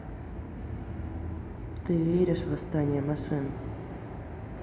ты веришь в восстание машин